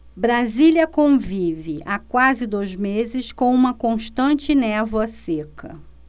brasília convive há quase dois meses com uma constante névoa seca